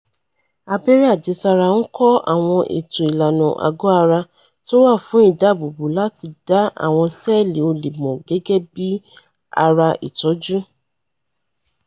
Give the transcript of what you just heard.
Abẹ́rẹ́ àjẹsára ńkọ́ àwọn ètò ìlànà àgọ́-ara tówà fún ìdáààbòbò láti dá àwọn ṣẹ̵́ẹ̀lì olè mọ̀ gẹ́gẹ́bí ara ìtọ̀jú